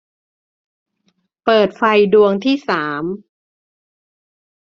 เปิดไฟดวงที่สาม